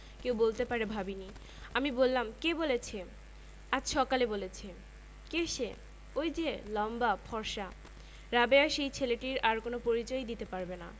কেউ বলতে পারে ভাবিনি আমি বললাম কে বলেছে আজ সকালে বলেছে কে সে ঐ যে লম্বা ফর্সা রাবেয়া সেই ছেলেটির আর কোন পরিচয়ই দিতে পারবে না